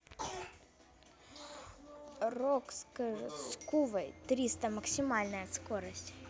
racer skyway триста максимальная скорость